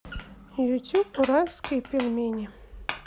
ютуб уральские пельмени